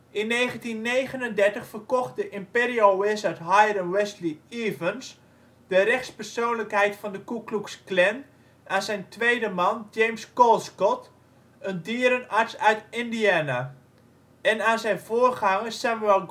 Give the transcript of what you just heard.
In 1939 verkocht de Imperial Wizard Hiram Wesley Evans de rechtspersoonlijkheid van de Ku Klux Klan aan zijn tweede man James Colescott, een dierenarts uit Indiana, en aan zijn voorganger Samuel